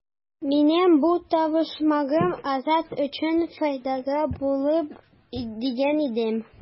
Минем бу табышмагым Азат өчен файдага булыр дигән идем.